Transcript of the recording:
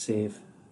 sef